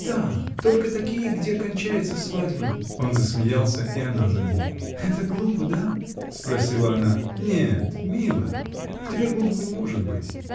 — Да. только такие, где кончается свадьбой. Он засмеялся, и она за ним. — Это глупо? да? — спросила она. — Нет, мило. В тебе глупого не может быть.